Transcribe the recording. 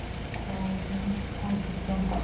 э сменить ассистента